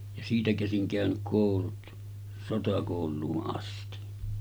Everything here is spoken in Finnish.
ja siitä käsin käynyt koulut sotakouluun asti